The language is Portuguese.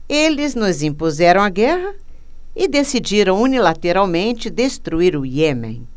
eles nos impuseram a guerra e decidiram unilateralmente destruir o iêmen